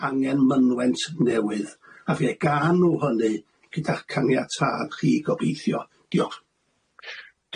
angen mynwent newydd ac fe ga' nw hynny gyda'ch caniatâd chi gobeithio diolch.